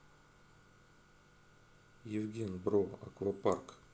евген бро аквапарк